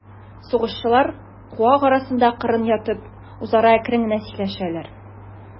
Сугышчылар, куаклар арасында кырын ятып, үзара әкрен генә сөйләшәләр.